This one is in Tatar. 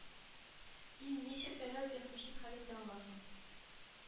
Ин ничек дәүләт язмышын хәл итә аласың?